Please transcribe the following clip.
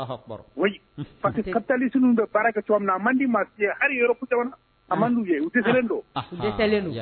Pali baara kɛ cogo man di hali tɛ